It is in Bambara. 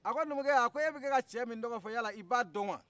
a ko numukɛ a ko e bɛ ka cɛ min tɔgɔ fɔ yala i b'a dɔn wa